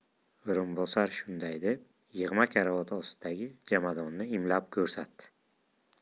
o'rinbosar shunday deb yig'ma karavot ostidagi jomadonni imlab ko'rsatdi